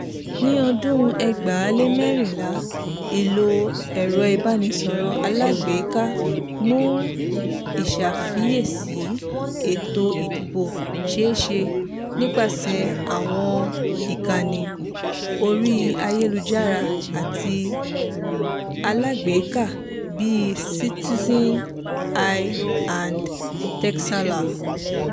Ní ọdún 2014, ìlò ẹ̀rọ ìbánisọ̀rọ̀ alágbèéká mú ìṣàfiyèsí ètò ìdìbò ṣeéṣe nípasẹ̀ àwọn ìkànnì orí ayélujára àti alágbèéká bíi Citizen's Eye àti Txeka-lá.